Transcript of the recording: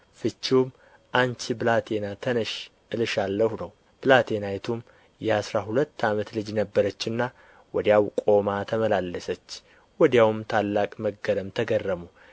ፍችውም አንቺ ብላቴና ተነሽ እልሻለሁ ነው ብላቴናይቱም የአሥራ ሁለት ዓመት ልጅ ነበረችና ወዲያው ቆማ ተመላለሰች ወዲያውም ታላቅ መገረም ተገረሙ